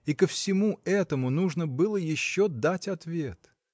И ко всему этому нужно было еще дать ответ!